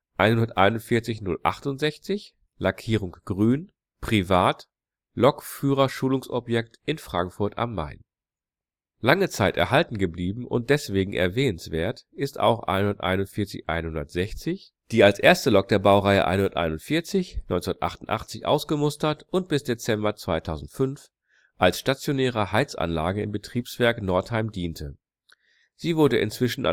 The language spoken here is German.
141 068 (Lackierung: grün, Privat, Lokführerschulungsobjekt in Frankfurt/Main) Lange Zeit erhalten geblieben und deswegen erwähnenswert ist auch 141 160, die als erste Lok der Baureihe 141 1988 ausgemustert und bis Dezember 2005 als stationäre Heizanlage im Betriebswerk Northeim diente; sie wurde inzwischen